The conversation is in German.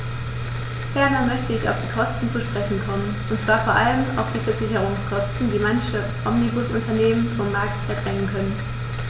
Ferner möchte ich auf die Kosten zu sprechen kommen, und zwar vor allem auf die Versicherungskosten, die manche Omnibusunternehmen vom Markt verdrängen könnten.